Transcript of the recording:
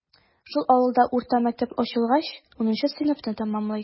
Шул авылда урта мәктәп ачылгач, унынчы сыйныфны тәмамлый.